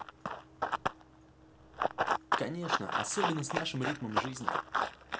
конечно особенно с нашим ритмом жизни